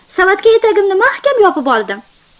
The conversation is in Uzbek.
savatga etagimni mahkam yopib oldim